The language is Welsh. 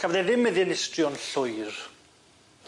Cafodd e ddim ei ddinistrio'n llwyr.